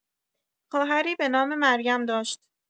خواهری به نام مریم داشت.